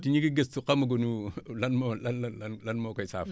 te ñu ngi gëstu xama gu ñu lan moo lan la lan lan moo koy saafara